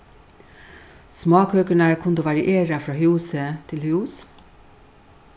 smákøkurnar kundu variera frá húsi til hús